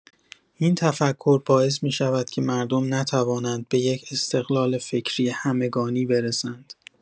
این تفکر باعث می‌شود که مردم نتوانند به یک استقلال فکری همگانی برسند.